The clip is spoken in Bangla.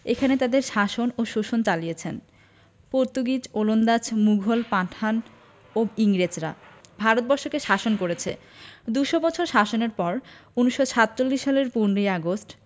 এখানে তাদের শাসন ও শোষণ চালিছে পর্তুগিজ ওলন্দাজ মুঘল পাঠান ও ইংরেজরা ভারত বর্ষকে শাসন করেছে দু'শ বছর শাসনের পর ১৯৪৭ সালের ১৫ ই আগস্ট